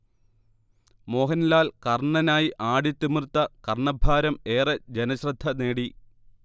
മോഹൻലാൽ കർണനായി ആടിത്തിമിർത്ത കർണഭാരം ഏറെ ജനശ്രദ്ധ നേടി